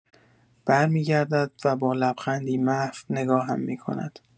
برمی‌گردد و با لبخندی محو نگاهم می‌کند.